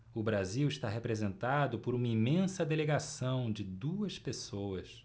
o brasil está representado por uma imensa delegação de duas pessoas